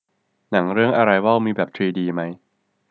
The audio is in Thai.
หนังเรื่องอะไรวอลมีแบบทรีดีมั้ย